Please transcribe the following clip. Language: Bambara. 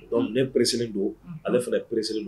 Dɔnkuc mɛ peres don ale fana peresiri don